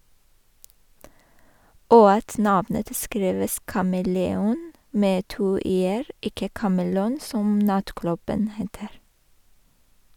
Og at navnet skrives kameleon - med to e-er - ikke "Kamelon", som nattklubben heter.